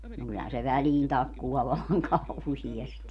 no kyllähän se väliin takkuaa vallan kauheasti